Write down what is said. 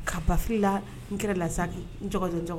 Ka bafi la n kɛra lasa